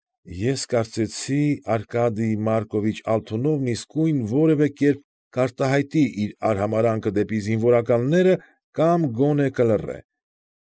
Ես կարծեցի Արկադիյ Մարկովիչ Ալթունովն իսկույն որևէ կերպ կարտահայտի իր արհամարանքը դեպի զինվորականները կամ գոնե կլռի։